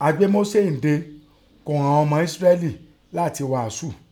A gbé Mósè ǹde ko ìghan ọmọ Ísíráélì látin ghàásù.